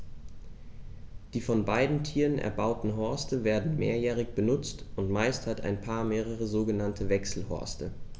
Die von beiden Tieren erbauten Horste werden mehrjährig benutzt, und meist hat ein Paar mehrere sogenannte Wechselhorste.